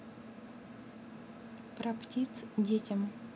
про птиц детям